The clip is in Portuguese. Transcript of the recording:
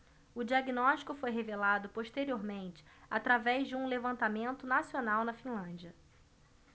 o diagnóstico foi revelado posteriormente através de um levantamento nacional na finlândia